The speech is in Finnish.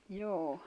joo